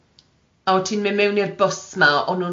a oti'n mynd mewn i'r bws 'ma o'nhw'n rhoi